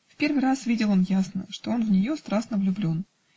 В первый раз видел он ясно, что он в нее страстно влюблен